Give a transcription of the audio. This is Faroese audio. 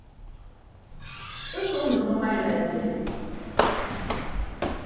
øll onnur fáa meira enn tær